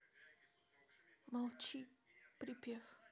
молчи припев